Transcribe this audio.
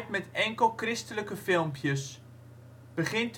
met enkel Christelijke filmpjes. Begin